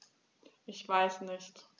Ich weiß nicht.